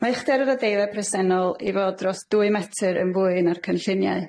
Mae uchder yr adeilad presennol i fod dros dwy metr yn fwy na'r cynlluniau.